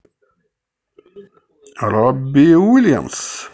робби уильямс